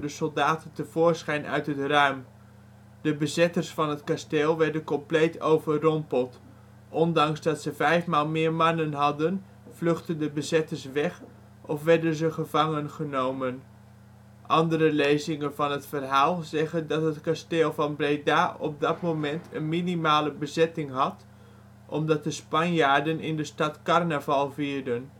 soldaten tevoorschijn uit het ruim. De bezetters van het kasteel werden compleet overrompeld. Ondanks dat ze vijf maal meer mannen hadden, vluchtten de bezetters weg of werden ze gevangen genomen. Andere lezingen van het verhaal zeggen dat het kasteel van Breda op dat moment een minimale bezetting had, omdat de Spanjaarden in de stad carnaval vierden